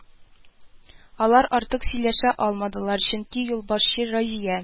Алар артык сөйләшә алмадылар, чөнки юлбашчы Разия: